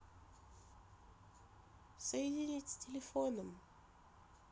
соединить с телефоном